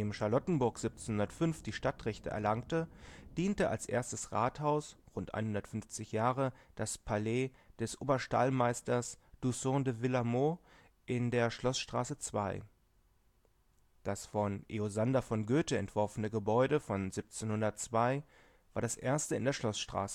Charlottenburg 1705 die Stadtrechte erlangte, diente als erstes Rathaus rund 150 Jahre das Palais des Oberstallmeisters d’ Ausson de Villarnoux in der Schloßstraße 2. Das von Eosander von Göthe entworfene Gebäude von 1702 war das erste in der Schloßstraße